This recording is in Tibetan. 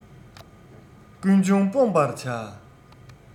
ཀུན འབྱུང སྤོང བར བྱ